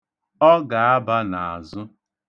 Ọ ga-aba n'azụ.